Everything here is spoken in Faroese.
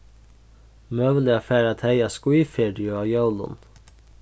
møguliga fara tey á skíðferiu á jólum